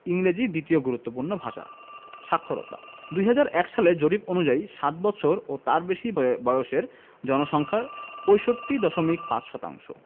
ইংরেজি দ্বিতীয় গুরুত্বপূর্ণ ভাষা সাক্ষরতাঃ ২০০১ সালের জরিপ অনুযায়ী সাত বৎসর ও তার বেশি বয়সের জনসংখ্যার ৬৫.৫ শতাংশ